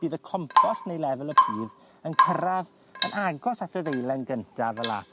fydd y compost neu lefel y pridd yn cyrradd yn agos at y deilen gynta fel 'a.